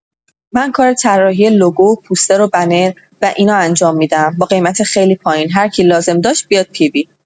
من کار طراحی لوگو و پوستر و بنر و اینا انجام می‌دم با قیمت خیلی پایین هرکی لازم داشت بیاد پی وی